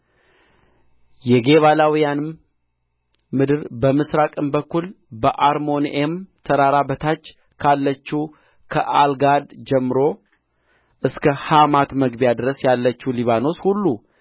የጌባላውያውንም ምድር በምሥራቅም በኩል ከአርሞንዔም ተራራ በታች ካለችው በኣልጋድ ጀምሮ እስከ ሐማት መግቢያ ድረስ ያለችው ሊባኖስ ሁሉ